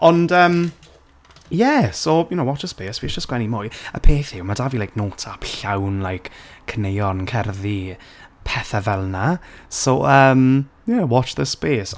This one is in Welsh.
Ond yym ie, so you know watch the space. Fi isie sgwennu mwy, y peth yw, ma' 'da fi like Notes App llawn like caneuon, cerddi, pethe fel 'na, so um yeah, watch this space.